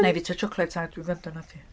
Wna i fyta tsiocled tra dwi'n grando arna ti.